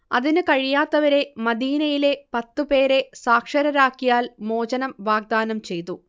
അതിന് കഴിയാത്തവരെ മദീനയിലെ പത്ത് പേരെ സാക്ഷരരാക്കിയാൽ മോചനം വാഗ്ദാനം ചെയ്തു